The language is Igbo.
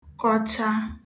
kọcha